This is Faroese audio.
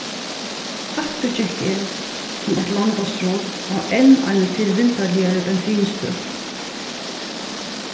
aftur gekk eg sum eitt landastrok á enn eini tilvildarligari bensinstøð